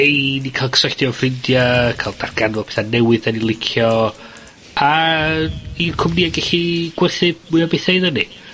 i ni ca'l cysylltu â'n ffrindie, ca'l darllen fel pethe newydd 'dan ni'n licio. a i cwmnie gellu gwerthu mwy o bethe iddon ni.